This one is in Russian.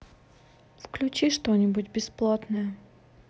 включи что нибудь бесплатное